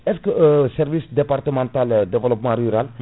est ce que service départemental développement rural